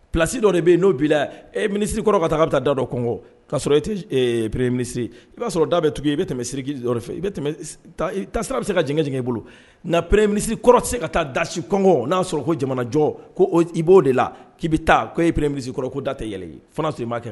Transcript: Plasi dɔ de bɛ yen n'o b'i la ɛ minisiri kɔrɔ ka taa bɛ taa dadɔ kɔn ka'a sɔrɔ e perere minisiriri i b'a sɔrɔ da bɛ tugu i bɛ tɛmɛsiri i ta sira bɛ se ka j jigin i bolo nka pre minisiri kɔrɔ tɛ se ka taa dasi kɔngɔ n'a'a sɔrɔ ko jamanajɔ ko i b'o de la k'i bɛ taa ko e peree minisi kɔrɔ ko da tɛ yɛlɛ fana tun i m'a kɛ